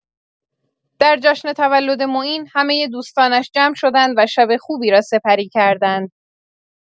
در جشن تولد معین، همه دوستانش جمع شدند و شب خوبی را سپری کردند.